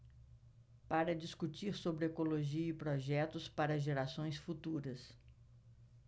para discutir sobre ecologia e projetos para gerações futuras